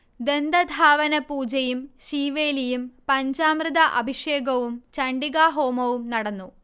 ദന്തധാവനപൂജയും ശീവേലിയും പഞ്ചാമൃത അഭിഷേകവും ചണ്ഡികാഹോമവും നടന്നു